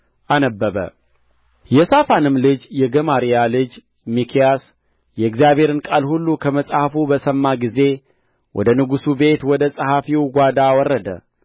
አነበበ የሳፋንም ልጅ የገማርያ ልጅ ሚክያስ የእግዚአብሔርን ቃል ሁሉ ከመጽሐፉ በሰማ ጊዜ ወደ ንጉሡ ቤት ወደ ጸሐፊው ጓዳ ወረደ